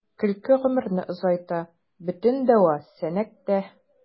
Көлке гомерне озайта — бөтен дәва “Сәнәк”тә.